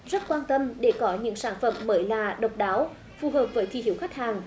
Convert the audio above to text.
rất quan tâm để có những sản phẩm mới lạ độc đáo phù hợp với thị hiếu khách hàng